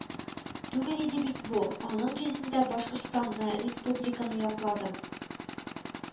Түгел иде бит бу, аның йөзендә башкортстанны, республиканы якладым